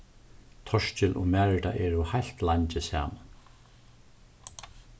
torkil og marita eru heilt leingi saman